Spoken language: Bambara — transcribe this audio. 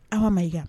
An ma ma i